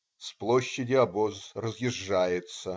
" С площади обоз разъезжается.